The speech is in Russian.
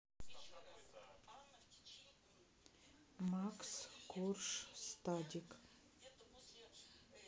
макс корж стадик